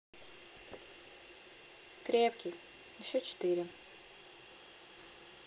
крепкий еще четыре